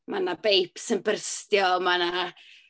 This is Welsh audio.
Ma' 'na beips yn byrstio, ma' 'na..